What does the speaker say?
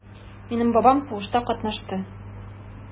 Минем бабам сугышта катнашты.